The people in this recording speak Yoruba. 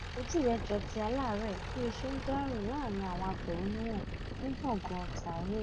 Ojú rẹ̀ jọ ti aláàárẹ̀, bí ó ṣe ń dá rìn láàárín àwọn afẹ̀hónúhàn ní gbọ̀ngàn Tahrir.